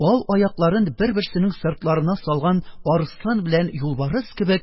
Ал аякларын бер-берсенең сыртларына салган арыслан белән юлбарыс кебек,